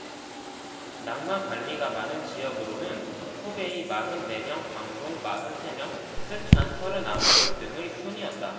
낙마 관리가 많은 지역으로는 후베이 마흔 네 명 광둥 마흔 세 명 쓰촨 서른 아홉 명 등의 순이었다